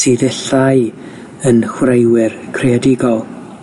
sydd ill ddau yn chwaraewyr creadigol.